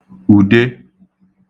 ùde